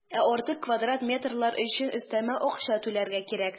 Ә артык квадрат метрлар өчен өстәмә акча түләргә кирәк.